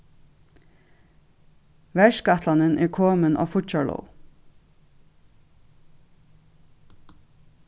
verkætlanin er komin á fíggjarlóg